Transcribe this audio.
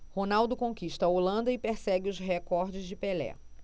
ronaldo conquista a holanda e persegue os recordes de pelé